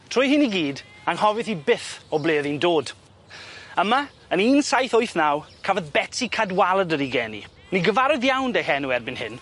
Trwy hyn i gyd anghofieth hi byth o ble o'dd 'i'n dod. Yma yn un saith wyth naw cafodd Betsi Cadwaladr 'i geni. Ni'n gyfarwydd iawn 'da'i henw erbyn hyn.